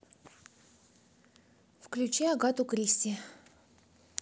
включи агату кристи